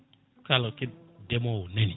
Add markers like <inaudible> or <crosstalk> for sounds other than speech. kala <hesitation> demowo nani